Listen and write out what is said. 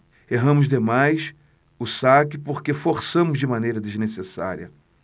erramos demais o saque porque forçamos de maneira desnecessária